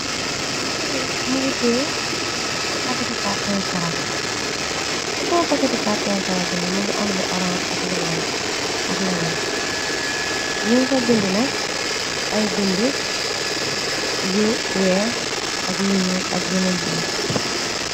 Lohou be mëngi teye packete kartong ge garab se kaw packete kartong ge garab be nak muge am lu orance ak lu weex ak leenen nugfa bindi nak ay bindi yu weex ak yu ñuul ak yeneen binde.